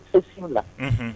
Furula